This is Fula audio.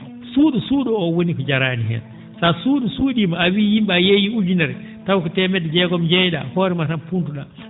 suu?o suu?o oo woni ko jaraani heen so a suu?o suu?iima a wiyii yim?e a yeeyii ujunere taw ko teemedde jeegom njeey?aa ko hoore maa tan puntu?aa